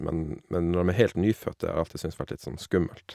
men Men når dem er helt nyfødt, det har jeg alltid syntes vært litt sånn skummelt.